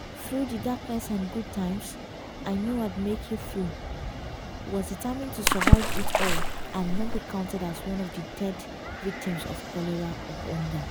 Through the darkness and good times, I knew I'd make it through, was determined to survive it all and not be counted as one of the dead victims of cholera or hunger.